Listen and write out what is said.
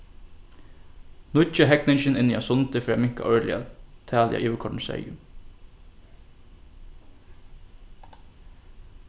nýggja hegningin inni á sundi fer at minka árliga talið á yvirkoyrdum seyðum